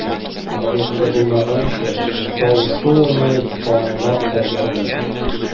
Гадәттә булмаганча шау-шу аны таңга калдырды.